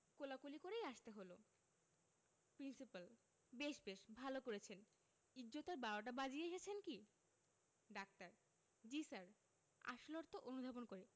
কোলাকুলি করেই আসতে হলো প্রিন্সিপাল বেশ বেশ ভালো করেছেন ইজ্জতের বারোটা বাজিয়ে এসেছেন কি ডাক্তার জ্বী স্যার আসল অর্থ অনুধাবন করে